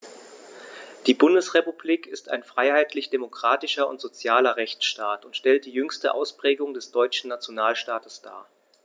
Die Bundesrepublik ist ein freiheitlich-demokratischer und sozialer Rechtsstaat und stellt die jüngste Ausprägung des deutschen Nationalstaates dar.